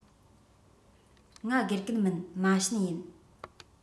ང དགེ རྒན མིན མ བྱན ཡིན